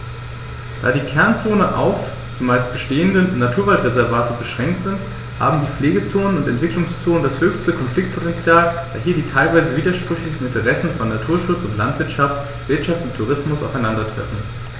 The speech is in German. Da die Kernzonen auf – zumeist bestehende – Naturwaldreservate beschränkt sind, haben die Pflegezonen und Entwicklungszonen das höchste Konfliktpotential, da hier die teilweise widersprüchlichen Interessen von Naturschutz und Landwirtschaft, Wirtschaft und Tourismus aufeinandertreffen.